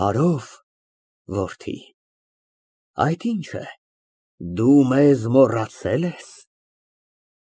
Բարով որդի։ Այդ ի՞նչ է, դու մեզ մոռացե՞լ ես։